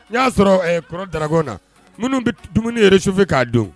N' y'a sɔrɔ kɔrɔ dara na minnu bɛ dumunire susufɛ k'a don